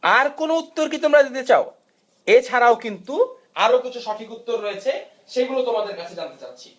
আর কোন উত্তর কি তোমরা দিতে চাও এছাড়াও কিন্তু আরও দুটি সঠিক উত্তর রয়েছে সেগুলো তোমাদের কাছে জানতে চাচ্ছি